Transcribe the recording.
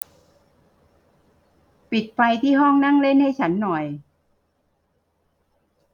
ปิดไฟที่ห้องนั่งเล่นให้ฉันหน่อย